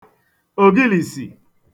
ògilìsì